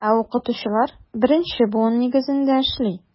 Ә укытучылар беренче буын нигезендә эшли.